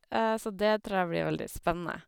Så det tror jeg blir veldig spennende.